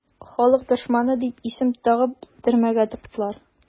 "халык дошманы" дип исем тагып төрмәгә тыктылар.